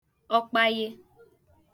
ọkpaye